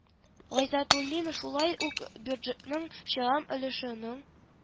Гайзатуллин шулай ук бюджетның чыгым өлешенең